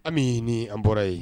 An bɛ ni an bɔra ye